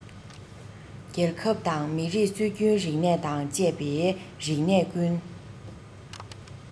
རྒྱལ ཁབ དང མི རིགས སྲོལ རྒྱུན རིག གནས དང བཅས པའི རིག གནས ཀུན